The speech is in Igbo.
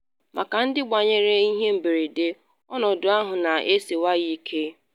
Maka ndị gbanarịrị ihe mberede, ọnọdụ ahụ na-esiwanye ike.